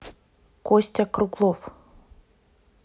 костя круглов